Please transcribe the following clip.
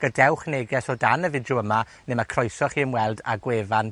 gadewch neges o dan y fideo yma, ne' ma' croeso i chi ymweld â gwefan